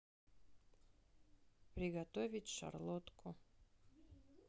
приготовить шарлотку